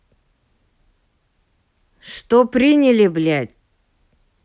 что приняли блядь